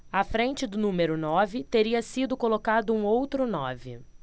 à frente do número nove teria sido colocado um outro nove